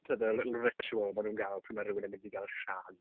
To the little ritual maen nhw'n gael pryd mae rhywun yn mynd i gael shag.